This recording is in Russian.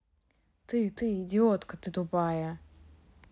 ты ты идиотка ты тупая